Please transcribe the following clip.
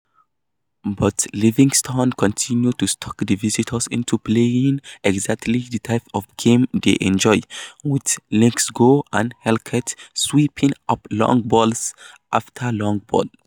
But Livingston continued to suck the visitors into playing exactly the type of game they enjoy, with Lithgow and Halkett sweeping up long ball after long ball.